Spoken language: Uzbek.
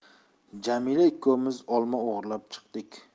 jamila ikkovimiz olma o'g'irlab chiqdik